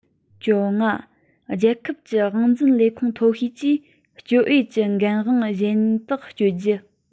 བཅོ ལྔ རྒྱལ ཁབ ཀྱི དབང འཛིན ལས ཁུངས མཐོ ཤོས ཀྱིས སྤྱོད འོས པའི འགན དབང གཞན དག སྤྱོད རྒྱུ